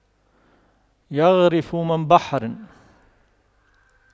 يَغْرِفُ من بحر